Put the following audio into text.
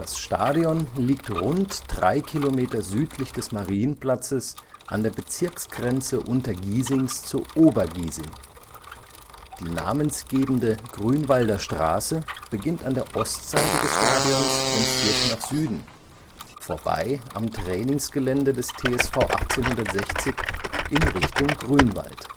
Stadion liegt rund drei Kilometer südlich des Marienplatzes an der Bezirksgrenze Untergiesings zu Obergiesing. Die namensgebende Grünwalder Straße beginnt an der Ostseite des Stadions und führt nach Süden, vorbei am Trainingsgelände des TSV 1860, in Richtung Grünwald